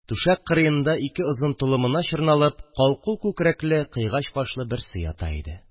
Түшәк кырыенда, ике озын толымына чорналып, калку күкрәкле, кыйгач кашлы берсе ята иде